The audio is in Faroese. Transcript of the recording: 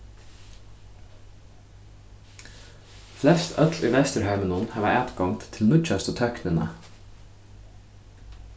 flest øll í vesturhavinum hava atgongd til nýggjastu tøknina